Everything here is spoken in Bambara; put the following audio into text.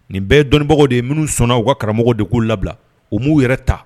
Nin bɛɛ dɔnniibagaw de ye minnu sɔnna u ka karamɔgɔw de k'u labila u ma sɔn k'u yɛrɛ ta.